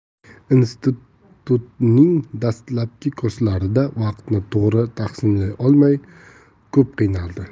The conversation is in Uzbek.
institutning dastlabki kurslarida vaqtni to'g'ri taqsimlay olmay ko'p qiynaldi